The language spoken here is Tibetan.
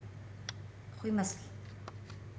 དཔེ མི སྲིད